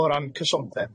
O ran cysondeb.